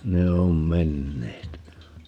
ne on menneet